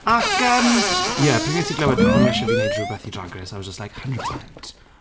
Ac yym ie pryd wnes i glywed o'n nhw isio fi wneud rywbeth i Drag Race, I was just like "hundred percent!"